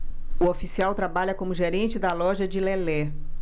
o oficial trabalha como gerente da loja de lelé